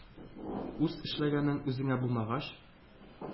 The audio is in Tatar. Үз эшләгәнең үзеңә булмагач,